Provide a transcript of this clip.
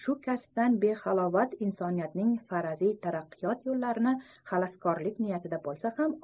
shu kasbdan behalovat insoniyatning faraziy taraqqiyot yo'llarini xaloskorlik niyatida bo'lsa ham